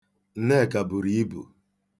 Nneka buru ibu.